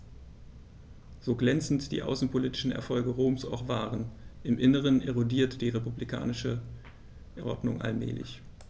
So glänzend die außenpolitischen Erfolge Roms auch waren: Im Inneren erodierte die republikanische Ordnung allmählich.